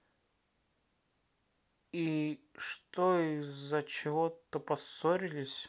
и что из за чего то поссорились